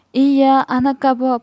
iye ana kabob